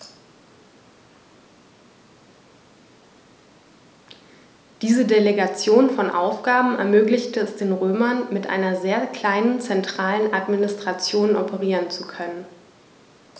Diese Delegation von Aufgaben ermöglichte es den Römern, mit einer sehr kleinen zentralen Administration operieren zu können.